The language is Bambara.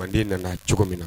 Manden nana cogo min na